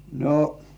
no